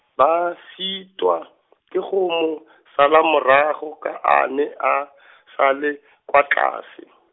ba sitwa , ke go mo , sala morago ka a ne a , sa le, kwa tlase.